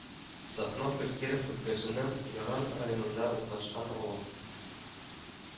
Сосновка Киров өлкәсенең Яраң районында урнашкан авыл